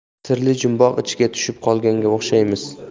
sirli jumboq ichiga tushib qolganga o'xshaymiz